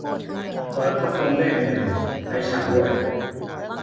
เปิดพัดลมเลขหนึ่งให้ฉันด้วย